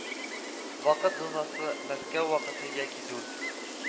Вакыт зонасы Мәскәү вакыты яки дүрт